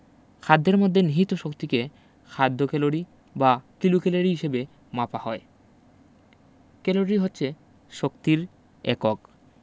খাদ্যের মধ্যে নিহিত শক্তিকে খাদ্য ক্যালরি বা কিলোক্যালরি হিসেবে মাপা হয় ক্যালরি হচ্ছে শক্তির একক